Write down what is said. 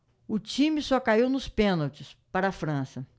o time só caiu nos pênaltis para a frança